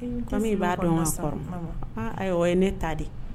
Comme i b'a dɔn ka kɔrɔ ayiwa o ye ne ta de